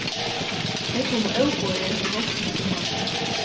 tey komu óboðin í veitsluna hjá honum